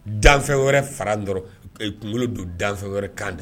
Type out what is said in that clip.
Danfɛ wɛrɛ fara dɔrɔn kunkolo don danfɛ wɛrɛ kan de